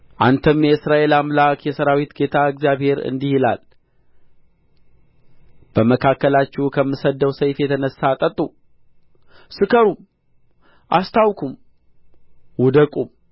አንተም የእስራኤል አምላክ የሠራዊት ጌታ እግዚአብሔር እንዲህ ይላል በመካከላችሁ ከምሰድደው ሰይፍ የተነሣ ጠጡ ስከሩም አስታውኩም ውደቁም